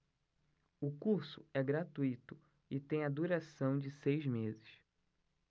o curso é gratuito e tem a duração de seis meses